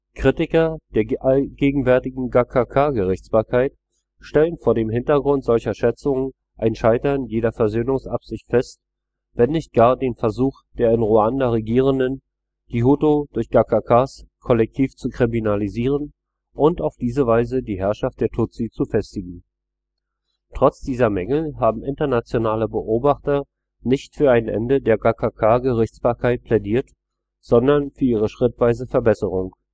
Kritiker der gegenwärtigen Gacaca-Gerichtsbarkeit stellen vor dem Hintergrund solcher Schätzungen ein Scheitern jeder Versöhnungsabsicht fest, wenn nicht gar den Versuch der in Ruanda Regierenden, die Hutu durch Gacacas kollektiv zu kriminalisieren und auf diese Weise die Herrschaft der Tutsi zu festigen. Trotz dieser Mängel haben internationale Beobachter nicht für ein Ende der Gacaca-Gerichtsbarkeit plädiert, sondern für ihre schrittweise Verbesserung